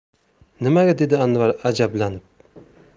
nimaga dedi anvar ajablanib